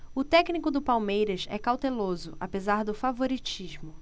o técnico do palmeiras é cauteloso apesar do favoritismo